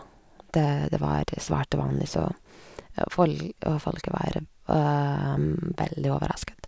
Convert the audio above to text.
det Det var svært uvanlig, så og fol og folket var veldig overrasket.